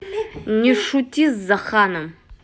не шути с зоханом